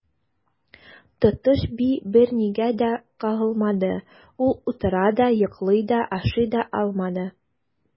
Тотыш би бернигә дә кагылмады, ул утыра да, йоклый да, ашый да алмады.